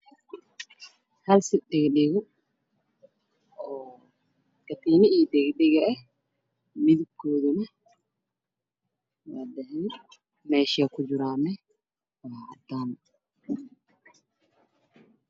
Halsed dhego oo katinad io dhego ah midabkoden waa dahbi mesh eey kujiran waa cadan